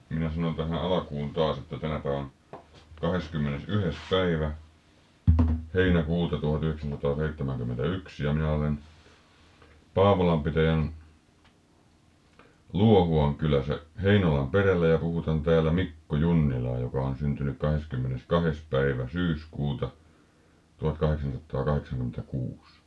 minä sanon tähän alkuun taas että tänään on kahdeskymmenesyhdes päivä heinäkuuta - tuhatyhdeksänsataaseitsemänkymmentäyksi ja minä olen Paavolan pitäjän Luohuan kylässä Heinolanperällä ja puhutan täällä Mikko Junnilaa joka on syntynyt kahdeskymmeneskahdes päivä syyskuuta tuhatkahdeksansataakahdeksankymmentäkuusi